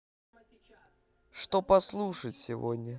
что послушать сегодня